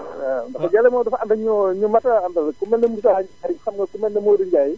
waaw ndax Jalle moom dafa ànd ak ñu mat a àndal ku mel ne Moussa Ndiaye xam nga ku mel ne Modou Ndiaye